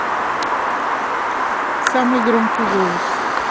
самый громкий голос